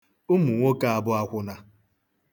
Ụmụ nwoke abụ akwụna?